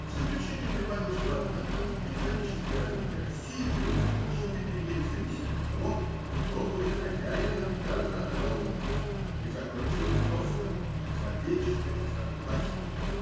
В заключение прибавил, что, однако, экономическое развитие России будет в значительной мере зависеть от того, кто будет хозяином Дарданелл, и закончил тостом за вечное согласие.